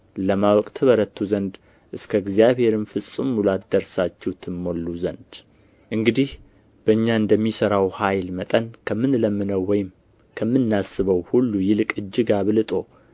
ለማወቅ ትበረቱ ዘንድ እስከ እግዚአብሔርም ፍጹም ሙላት ደርሳችሁ ትሞሉ ዘንድ እንግዲህ በእኛ እንደሚሠራው ኃይል መጠን ከምንለምነው ወይም ከምናስበው ሁሉ ይልቅ እጅግ አብልጦ